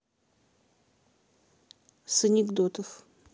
с анекдотов